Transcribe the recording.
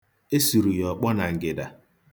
E suru ya ọkpọ na ngịda.